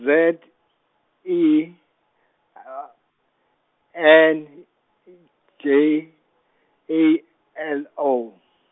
Z I N J A L O.